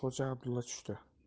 xo'ja abdulla tushdi